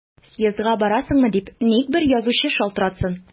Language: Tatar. Съездга барасыңмы дип ник бер язучы шалтыратсын!